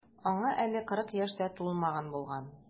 Аңа әле кырык яшь тә тулмаган була.